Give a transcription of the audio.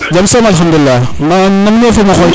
jam som alkhadoulila nam ne e fo mam o xoytita